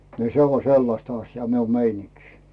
niin se on sellaista asiaa minun meininki